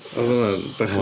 Oedd hwnna'n bach yn...